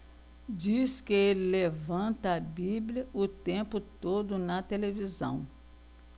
diz que ele levanta a bíblia o tempo todo na televisão